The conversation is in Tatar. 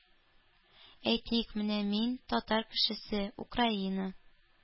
Әйтик, менә мин, татар кешесе, Украина,